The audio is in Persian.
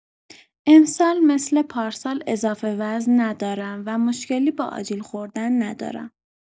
امسال مثل پارسال اضافه‌وزن ندارم و مشکلی با آجیل خوردن ندارم.